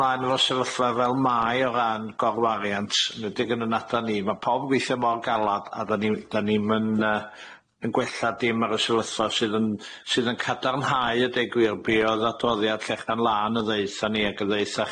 mlaen efo sefyllfa fel mai o ran gorwariant enedig yn y nadran i ma' pawb yn gweithio mor galad a do'n i'm do'n i'm yn yy yn gwella dim ar y sefyllfa sydd yn sydd yn cadarnhau a deud gwir be o'dd adroddiad Llechan Lan yn ddeutha ni ag yn ddeutha